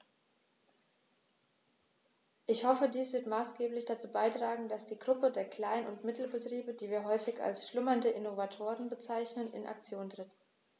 Ich hoffe, dies wird maßgeblich dazu beitragen, dass die Gruppe der Klein- und Mittelbetriebe, die wir häufig als "schlummernde Innovatoren" bezeichnen, in Aktion tritt.